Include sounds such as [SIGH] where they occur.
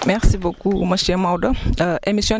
merci beaucoup [APPLAUSE] monsieur Maodo [HESITATION] émission